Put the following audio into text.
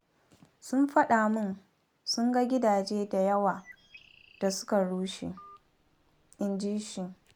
“Sun faɗa mun sun ga gidaje da yawa da suka rushe,” inji shi.